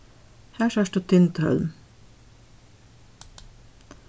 har sært tú tindhólm